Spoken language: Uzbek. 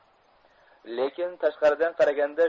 lekin tashqaridan qaraganda